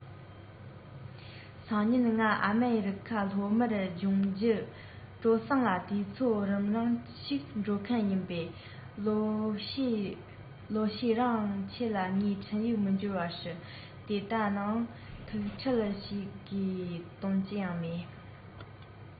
སང ཉིན ང ཨ མེ རི ཁ ལྷོ མར ལྗོངས རྒྱུ སྤྲོ གསེང ལ དུས ཚོད རིང ཙམ ཞིག འགྲོ མཁན ཡིན པས ལོ ཤས རིང ཁྱེད ལ ངའི འཕྲིན ཡིག མི འབྱོར བའང སྲིད དེ ལྟ ནའང ཐུགས ཁྲལ བྱེད དགོས དོན ཅི ཡང མེད